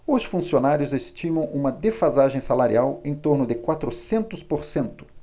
os funcionários estimam uma defasagem salarial em torno de quatrocentos por cento